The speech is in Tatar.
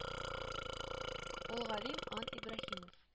Ул Галим ан Ибраһимов